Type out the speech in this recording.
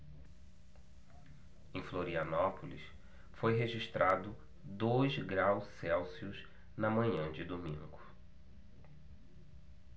em florianópolis foi registrado dois graus celsius na manhã de domingo